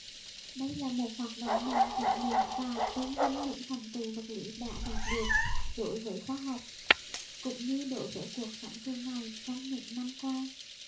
đây là một hoạt động nhằm kỉ niệm và tôn vinh những thành tựu vật lý đã đạt được đối với khoa học cũng như đối với cuộc sống thường ngày trong những năm qua